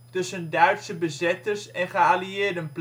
tussen Duitse bezetters en Geallieerden